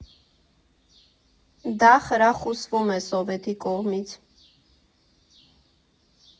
Դա խրախուսվում էր Սովետի կողմից.